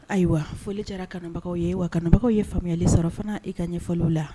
Ayiwa foli jarabagaw ye wabagaw ye faamuyali sararafana i ka ɲɛfɔ la